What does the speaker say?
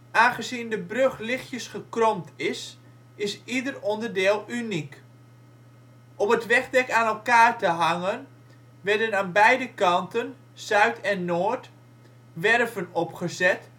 Aangezien de brug lichtjes gekromd is, is ieder onderdeel uniek. Om het wegdek aan elkaar te hangen, werden aan beide kanten (zuid en noord) werven opgezet